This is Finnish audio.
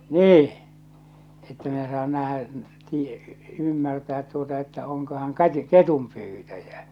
niin että minä saan nähdä -- ymmärtää tuota että onko hän - ketunpyytäjä